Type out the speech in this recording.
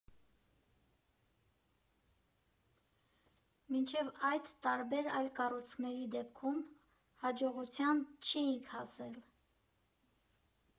Մինչև այդ տարբեր այլ կառույցների դեպքում հաջողության չէինք հասել։